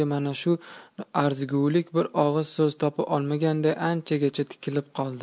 mana shu arzigulik bir og'iz so'z topa olmaganday anchagacha tikilib qoldi